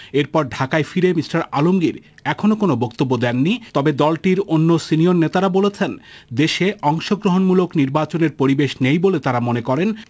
এরপর ঢাকায় ফিরে মিস্টার আলমগীর এখনো কোনো বক্তব্য দেননি তবে দলটির অন্য সিনিয়র নেতারা বলেছেন দেশে অংশগ্রহণমূলক নির্বাচনের পরিবেশ নেই বলে তারা মনে করেন